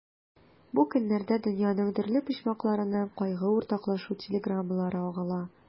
Бу көннәрдә дөньяның төрле почмакларыннан кайгы уртаклашу телеграммалары агыла.